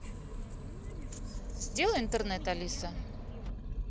сделай интернет алиса